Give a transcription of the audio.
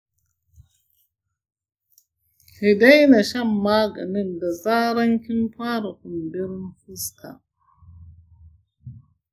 ki daina shan maganin da zaran kin fara kumburin fuska.